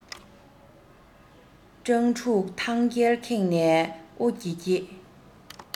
སྤྲང ཕྲུག ཐང རྒྱལ ཁེངས ནས སྦོ འགྱེད འགྱེད